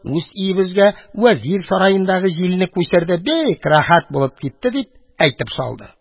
Үз өебезгә вәзир сараендагы җилне күчерде, бик рәхәт булып китте, – дип әйтеп салды.